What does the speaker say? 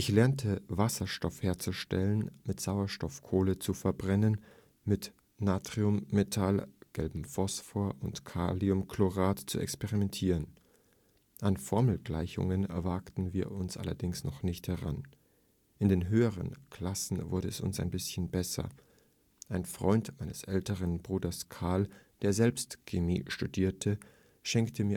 lernte Wasserstoff herzustellen, mit Sauerstoff Kohle zu verbrennen, mit Natriummetall, gelbem Phosphor und Kaliumchlorat zu experimentieren. An Formelgleichungen wagten wir uns allerdings noch nicht heran. In den höheren Klassen wurde es ein bißchen besser. Ein Freund meines älteren Bruders Karl, der selbst Chemie studierte, schenkte